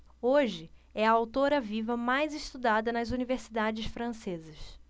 hoje é a autora viva mais estudada nas universidades francesas